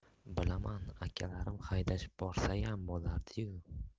bilaman akalarim haydashib borsayam bo'lardiyu